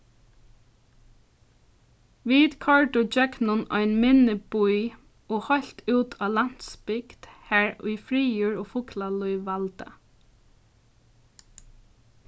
vit koyrdu ígjøgnum ein minni bý og heilt út á landsbygd har ið friður og fuglalív valda